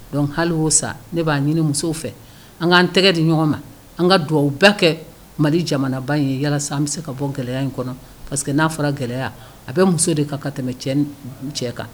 Dɔnku hali'o sa ne b'a ɲini musow fɛ an k'an tɛgɛ di ɲɔgɔn ma an ka dugawu bɛɛ kɛ mali jamanaba ye yala an bɛ se ka bɔ gɛlɛya in kɔnɔ pa que n'a fɔra gɛlɛya a bɛ muso de ka ka tɛmɛ cɛ ni cɛ kan